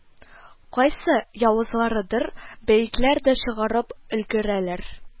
Кайсы явызларыдыр бәетләр дә чыгарып өлгерәләр